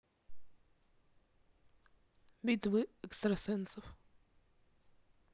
битвы экстрасенсов